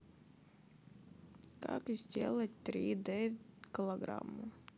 как сделать три дэ голограмму